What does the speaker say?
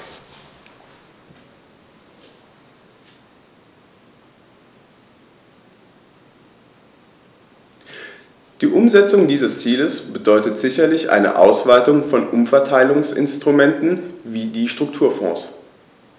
Die Umsetzung dieses Ziels bedeutet sicherlich eine Ausweitung von Umverteilungsinstrumenten wie die Strukturfonds.